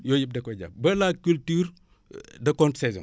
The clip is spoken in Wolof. yooyu yépp da koy jàpp ba la culture de contre saison